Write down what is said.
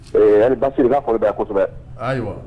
Ee yan ni ba b'a fɔ bɛ kosɛbɛ